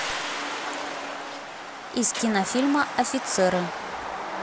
из кинофильма офицеры